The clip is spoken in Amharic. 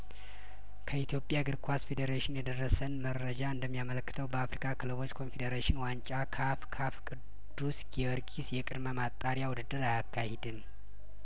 ከኢትዮጵያ እግር ኳስ ፌዴሬሽን የደረሰን መረጃ እንደሚያመለክተው በአፍሪካ ክለቦች ኮንፌዴሬሽን ዋንጫ ካፕ ካፍ ቅዱስ ጊዮርጊስ የቅድመ ማጣሪያ ውድድር አያካሂድም